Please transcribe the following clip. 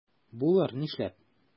Булыр, нишләп?